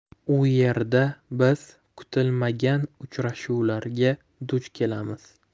u yerda biz kutilmagan uchrashuvlarga duch kelamiz